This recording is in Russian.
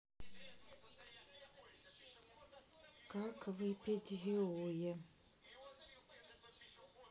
как выпить геое